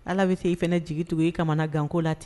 Ala bɛ k'e fana jigitugu e kamanagan ko la ten